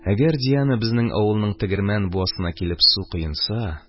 Әгәр Диана безнең авылның тегермән буасына килеп су коенса,